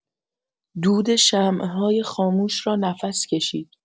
دود شمع‌های خاموش را نفس کشید.